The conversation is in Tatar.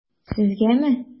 Сезгәме?